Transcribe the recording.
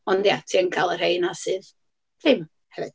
Ond ia, ti yn cael y rhai 'na sydd ddim, hefyd.